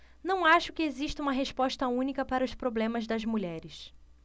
não acho que exista uma resposta única para os problemas das mulheres